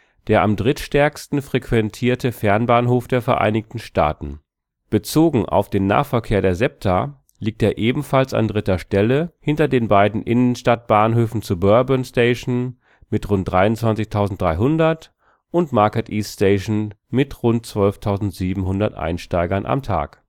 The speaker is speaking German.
der am drittstärksten frequentierte Fernbahnhof der Vereinigten Staaten. Bezogen auf den Nahverkehr der SEPTA liegt er ebenfalls an dritter Stelle hinter den beiden Innenstadtbahnhöfen Suburban Station mit rund 23.300 und Market East Station mit rund 12.700 Einsteigern am Tag